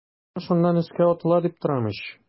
Аны шуннан өскә атыла дип торам ич.